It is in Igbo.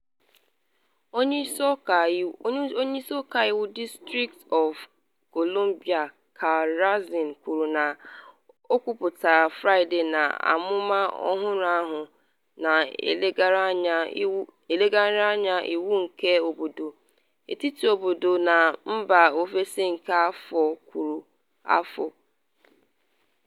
Onye Isi Ọka Iwu District of Columbia Karl Racine kwuru na nkwuputa Fraịde na amụma ọhụrụ ahụ “n’eleghara anya iwu nke obodo, etiti obodo na mba ofesi nke afọ kwụrụ afọ.”